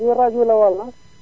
fii rajo la wala